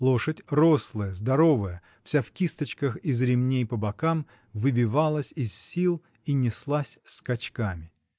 Лошадь рослая, здоровая, вся в кисточках из ремней по бокам, выбивалась из сил и неслась скачками.